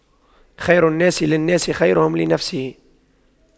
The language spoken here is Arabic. خير الناس للناس خيرهم لنفسه